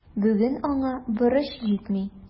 Бүген аңа борыч җитми.